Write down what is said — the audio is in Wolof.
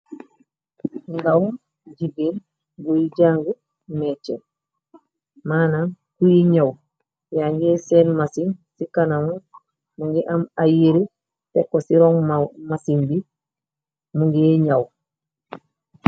Ndaw jigéen bu jàng mèjè, manam ki nëw. Ay ngè senn masin ci kanamu mungi am ay yireh tekk ko ci ron masin bi mungè nëw.